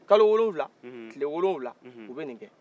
kalo wolowula kile wolowula u bɛ n'i kɛ